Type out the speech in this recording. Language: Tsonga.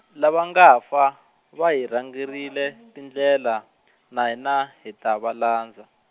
lava nga fa, va hi rhangerile, tindlela, na hina, hi ta va landza.